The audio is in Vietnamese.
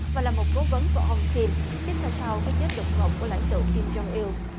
và là một cố vấn của ông kim tiếp theo sau cái chết đột ngột của lãnh tụ kim dong iu